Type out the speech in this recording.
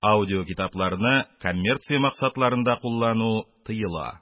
Аудиокитапларны коммерция максатларында куллану тыела.